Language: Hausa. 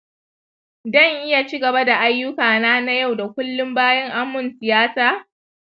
dan iya cigaba da aiyuka na na yau da kullum bayan ammun tiyata